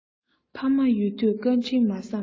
ཕ མ ཡོད དུས བཀའ དྲིན མ བསམས པར